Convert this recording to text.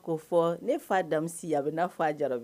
A ko fɔ ne fa da a bɛ na fɔ a jara